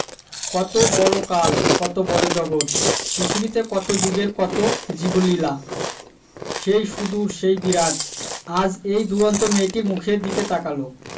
কত বড় কাল কত বড় জগত পৃথিবীতে কত জুগের কত জীবলীলা সেই সুদূর সেই বিরাট আজ এই দুরন্ত মেয়েটির মুখের দিকে তাকাল